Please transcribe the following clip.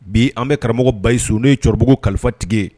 Bi an bɛ karamɔgɔ bayi sun n' ye cɛkɔrɔbabugu kalifa tigi ye